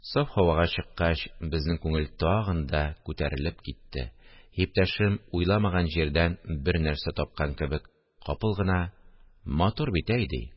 Саф һавага чыккач, безнең күңел тагын да күтәрелеп китте, иптәшем, уйламаган җирдән бер нәрсә тапкан кебек, капыл гына: – Матур бит, әй! – ди